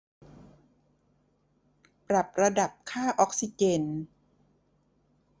ปรับระดับค่าออกซิเจน